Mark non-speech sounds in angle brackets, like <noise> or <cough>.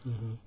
<hesitation> <hesitation>